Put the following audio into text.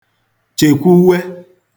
chèkwuwe